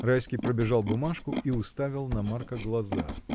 Райский пробежал бумажку и уставил на Марка глаза.